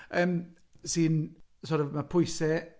Yym sy'n sort of… mae pwysau…